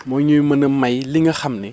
moo énuy mën a may li nga xam ni